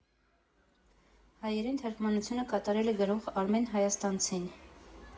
Հայերեն թարգմանությունը կատարել է գրող Արմեն Հայաստանցին։